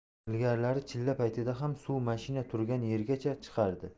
ilgarilari chilla paytida ham suv mashina turgan yergacha chiqardi